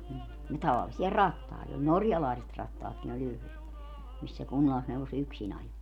ja tavallisia rattaita oli norjalaiset rattaatkin oli yhdet missä se kunnallisneuvos yksin ajoi